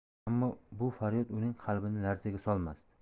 ammo bu faryod uning qalbini larzaga solmasdi